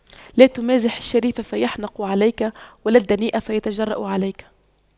لا تمازح الشريف فيحنق عليك ولا الدنيء فيتجرأ عليك